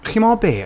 Chimod be?